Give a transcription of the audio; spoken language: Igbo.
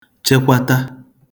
chekwata